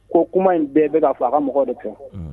Ko kuma in bɛɛ bi ka fɔ a ka mɔgɔ de fɛ.